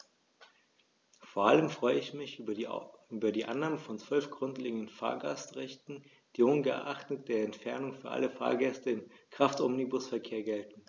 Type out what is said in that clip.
Vor allem freue ich mich über die Annahme von 12 grundlegenden Fahrgastrechten, die ungeachtet der Entfernung für alle Fahrgäste im Kraftomnibusverkehr gelten.